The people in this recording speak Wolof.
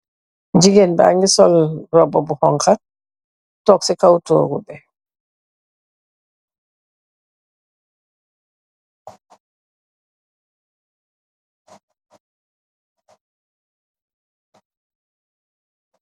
Gigeen bangi sol ruba bu xonta tóóg ci kaw tóógu bi.